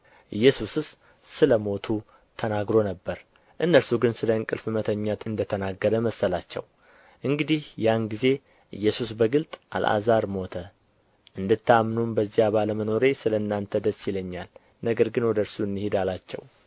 ኢየሱስስ ስለ ሞቱ ተናግሮ ነበር እነርሱ ግን ስለ እንቅልፍ መተኛት እንደ ተናገረ መሰላቸው እንግዲህ ያን ጊዜ ኢየሱስ በግልጥ አልዓዛር ሞተ እንድታምኑም በዚያ ባለመኖሬ ስለ እናንተ ደስ ይለኛል ነገር ግን ወደ እርሱ እንሂድ አላቸው